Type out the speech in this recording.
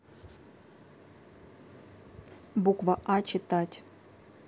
буква а читать